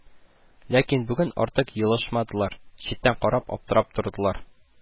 Ләкин бүген артык елышмадылар, читтән карап аптырап тордылар